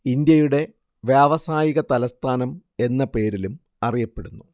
ഇന്ത്യയുടെ വ്യാവസായിക തലസ്ഥാനം എന്ന പേരിലും അറിയപ്പെടുന്നു